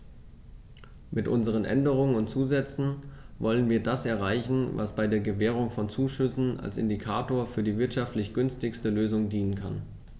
Mit unseren Änderungen und Zusätzen wollen wir das erreichen, was bei der Gewährung von Zuschüssen als Indikator für die wirtschaftlich günstigste Lösung dienen kann.